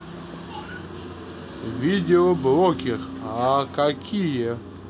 видеоблогер а какие